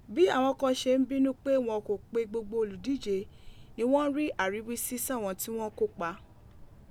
Bi awọn kan ṣe n binu pe wọn ko pe gbogbo oludije, ni wọn n ri ariwisi sawọn ti wọn kopa.